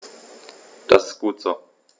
Das ist gut so.